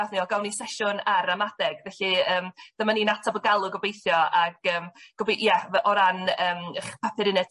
gath ni odd gawn ni sesiwn ar ramadeg felly yym dyma ni'n atab y galw gobeithio ag yym gobi- ie dd- o ran yym 'ych papur uned